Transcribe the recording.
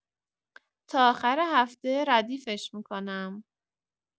تا آخر هفته ردیفش می‌کنم.